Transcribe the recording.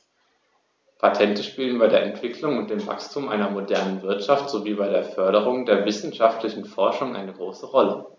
Patente spielen bei der Entwicklung und dem Wachstum einer modernen Wirtschaft sowie bei der Förderung der wissenschaftlichen Forschung eine große Rolle.